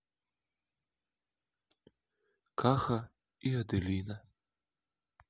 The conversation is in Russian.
каха и аделина